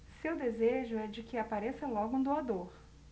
seu desejo é de que apareça logo um doador